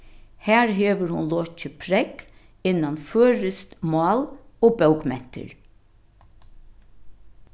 har hevur hon lokið prógv innan føroyskt mál og bókmentir